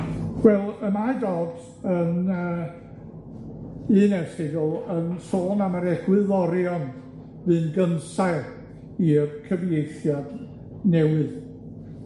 Wel, y mae Dodd yn yy un erthygl yn sôn am yr egwyddorion fu'n gynsail i'r cyfieithiad newydd.